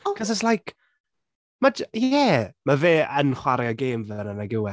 ‘Cause it’s like... mae j-... ie, mae fe yn chwarae'r gêm fel yna, nag yw e.